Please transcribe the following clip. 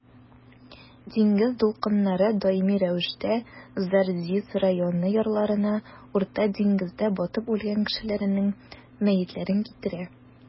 Диңгез дулкыннары даими рәвештә Зарзис районы ярларына Урта диңгездә батып үлгән кешеләрнең мәетләрен китерә.